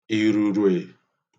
irurwe